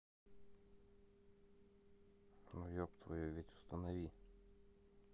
ну еб твою ведь установи